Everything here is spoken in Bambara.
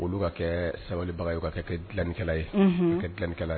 Olu ka kɛ sabalibaga ye ka kɛ dilanlikɛla ye ka kɛ dilanikɛla ye